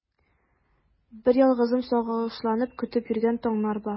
Берьялгызым сагышланып көтеп йөргән таңнар бар.